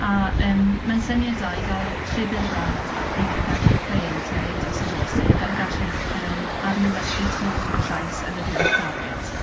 A, yym, mae'n syniad da i gael llyfr brand a brief gan eich cleientiaid os yw'n bosib, fel y gallech yym adlewyrchu tôn y llais yn yr iaith darged.